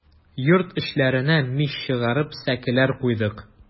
Йорт эчләренә мич чыгарып, сәкеләр куйдык.